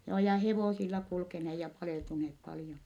joo ja hevosilla kulkeneet ja paleltuneet paljon